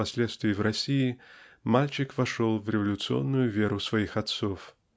впоследствии в России мальчик вошел в революционную веру своих отцов.